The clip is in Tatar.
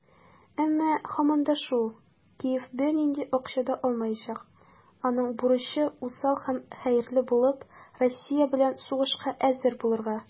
Әмма, һаман да шул, Киев бернинди акча да алмаячак - аның бурычы усал һәм хәерче булып, Россия белән сугышка әзер булырга.